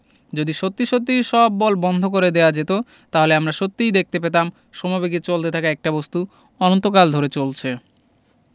যদি সত্যি সত্যি সব বল বন্ধ করে দেওয়া যেত তাহলে আমরা সত্যিই দেখতে পেতাম সমবেগে চলতে থাকা একটা বস্তু অনন্তকাল ধরে চলছে